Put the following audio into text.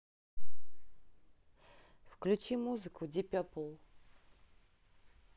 включи музыку дипепл